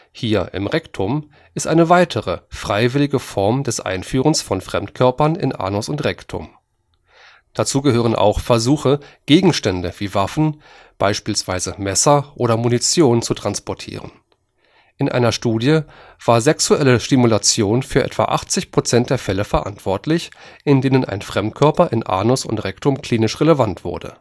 hier: im Rektum), ist eine weitere freiwillige Form des Einführens von Fremdkörpern in Anus und Rektum. Dazu gehören auch Versuche Gegenstände wie Waffen, beispielsweise Messer, oder Munition zu transportieren. In einer Studie war sexuelle Stimulation für etwa 80 Prozent der Fälle verantwortlich, in denen ein Fremdkörper in Anus und Rektum klinisch relevant wurde